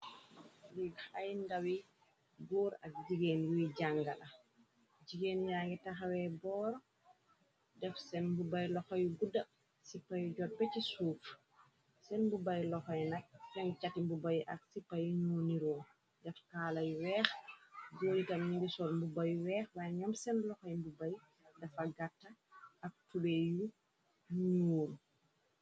Li ay ndawi gór ak jigeen yuy jàngala jigéen ña yi taxawee bor def seen mbubu bay loxo yu gudda sipa yu jot be ci suuf seen mbuba bay loxo yi nak feng cati bu bay ak sipa yi ñu niroo dex kala yu wèèx góyi tam nu ngi sol bu bayu weex way ñoom seen loxey mbuba yi dafa gàtta ak tubay yu ñuul.